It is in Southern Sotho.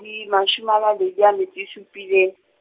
mashome a mabedi a metso e supile.